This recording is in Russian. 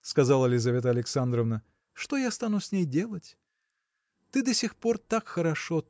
– сказала Лизавета Александровна, – что я стану с ней делать? Ты до сих пор так хорошо